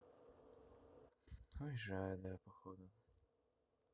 уезжаю да походу